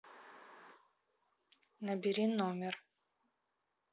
набери номер